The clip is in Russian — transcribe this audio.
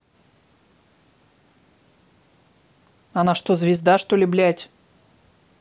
она что звезда что ли блядь